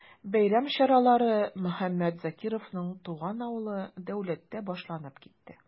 Бәйрәм чаралары Мөхәммәт Закировның туган авылы Дәүләттә башланып китте.